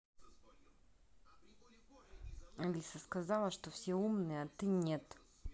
алиса сказала что все умные а ты нет